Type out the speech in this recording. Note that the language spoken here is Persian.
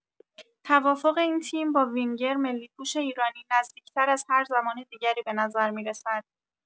توافق این تیم با وینگر ملی‌پوش ایرانی، نزدیک‌تر از هر زمان دیگری به نظر می‌رسد.